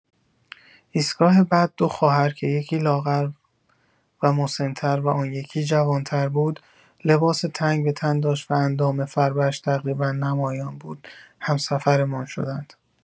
ایستگاه بعد دو خواهر که یکی لاغر و مسن‌تر، و آن یکی جوان‌تر بود، لباس تنگ به تن داشت و اندام فربه‌اش تقریبا نمایان بود، همسفرمان شدند.